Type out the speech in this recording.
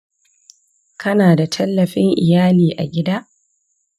kana da tallafin iyali a gida?